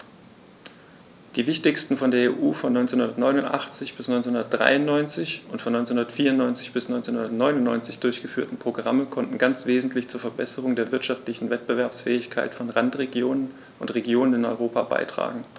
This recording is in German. Die wichtigsten von der EU von 1989 bis 1993 und von 1994 bis 1999 durchgeführten Programme konnten ganz wesentlich zur Verbesserung der wirtschaftlichen Wettbewerbsfähigkeit von Randregionen und Regionen in Europa beitragen.